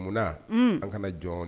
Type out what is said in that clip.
Munna an kana jɔn